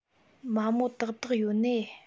མ མོ དག དག ཡོན ནིས